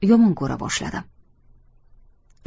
yomon ko'ra boshladim